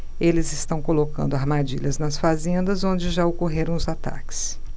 eles estão colocando armadilhas nas fazendas onde já ocorreram os ataques